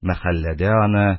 Мәхәлләдә аны